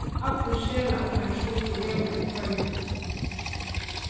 allir serlæknar skuldu vera í føroyum